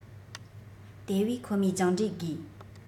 དེ བས ཁོ མོའི སྦྱངས འབྲས དགོས